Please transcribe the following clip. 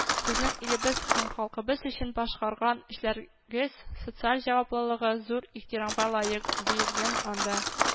“сезнең илебез һәм халкыбыз өчен башкарган эшләрегез, социаль җаваплылыгы зур ихтирамга лаек”, диергән анда